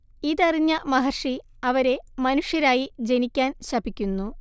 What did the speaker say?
ഇതറിഞ്ഞ മഹർഷി അവരെ മനുഷ്യരായി ജനിക്കാൻ ശപിക്കുന്നു